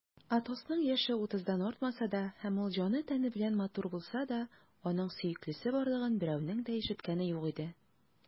Атосның яше утыздан артмаса да һәм ул җаны-тәне белән матур булса да, аның сөеклесе барлыгын берәүнең дә ишеткәне юк иде.